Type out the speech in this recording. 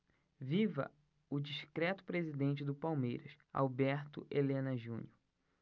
viva o discreto presidente do palmeiras alberto helena junior